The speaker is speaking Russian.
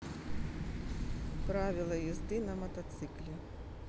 правила езды на мотоцикле